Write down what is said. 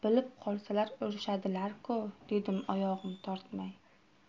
bilib qolsalar urishadilar ku dedim oyog'im tortmay